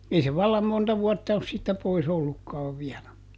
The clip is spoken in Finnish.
ei se vallan monta vuotta ole siitä pois ollutkaan vielä